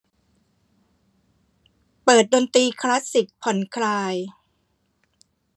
เปิดดนตรีคลาสสิคผ่อนคลาย